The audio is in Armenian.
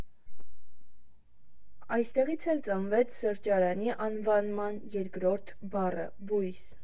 Այստեղից էլ ծնվեց սրճարանի անվանման երկրորդ բառը՝ բույսը։